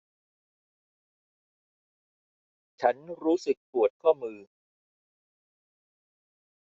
ฉันรู้สึกปวดข้อมือ